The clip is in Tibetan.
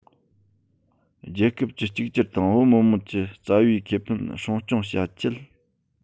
རྒྱལ ཁབ ཀྱི གཅིག གྱུར དང བོད མི དམངས ཀྱི རྩ བའི ཁེ ཕན སྲུང སྐྱོང བྱ ཆེད